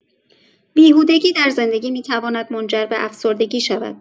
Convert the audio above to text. بیهودگی در زندگی می‌تواند منجر به افسردگی شود.